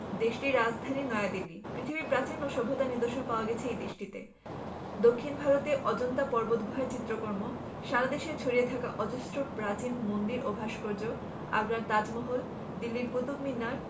দেশটির রাজধানী নয়াদিল্লী ভারতকে পৃথিবীর প্রাচীন ও সভ্যতার নিদর্শন পাওয়া গেছে এ দেশটিতেদক্ষিন ভারতে অজন্তা পর্বতগুহার চিত্রকর্ম সারা দেশে ছড়িয়ে থাকা অজস্র প্রাচীন মন্দির ও ভাস্কর্য আগ্রার তাজমহল দিল্লির কুতুব মিনার